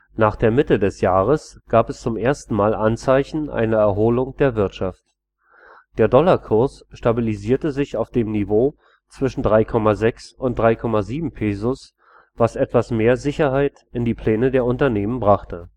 Nach der Mitte des Jahres gab es zum ersten Mal Anzeichen einer Erholung der Wirtschaft. Der Dollar-Kurs stabilisierte sich auf dem Niveau zwischen 3,60 und 3,70 Pesos, was etwas mehr Sicherheit in die Pläne der Unternehmen brachte